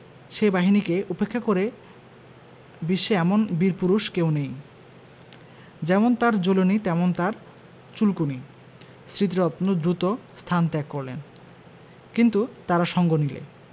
সে বাহিনীকে উপেক্ষা করে বিশ্বে এমন বীরপুরুষ কেউ নেই যেমন তার জ্বলুনি তেমনি তার চুলকুনি স্মৃতিরত্ন দ্রুত স্থান ত্যাগ করলেন কিন্তু তারা সঙ্গ নিলে